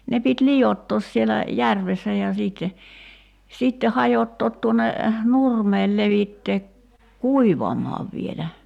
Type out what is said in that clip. ne piti liottaa siellä järvessä ja sitten sitten hajottaa tuonne nurmelle levittää kuivamaan vielä